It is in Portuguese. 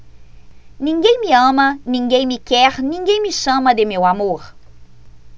ninguém me ama ninguém me quer ninguém me chama de meu amor